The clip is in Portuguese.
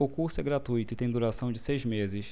o curso é gratuito e tem a duração de seis meses